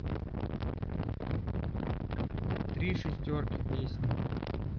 три шестерки песни